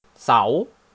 เสาร์